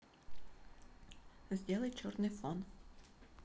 сделай черный фон